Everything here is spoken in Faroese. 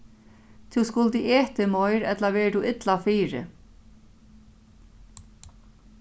tú skuldi etið meir ella verður tú illa fyri